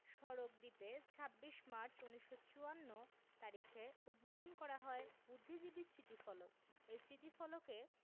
সড়ক দ্বীপে ২৬ মার্চ ১৯৫৪ তারিখে উদ্বোধন করা হয় বুদ্ধিজীবী স্মৃতিফলক এ স্মৃতিফলকে